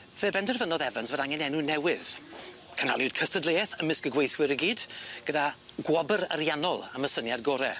fe benderfynodd Evans fod angen enw newydd, canaliwyd cystadleueth ymysg y gweithwyr i gyd gyda gwobyr ariannol am y syniad gore.